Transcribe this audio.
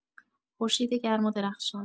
خورشید گرم و درخشان